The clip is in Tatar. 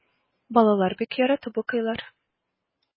Балалар бик яратып укыйлар.